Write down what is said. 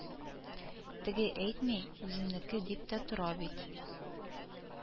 Теге әйтми, үземнеке, дип тә тора бит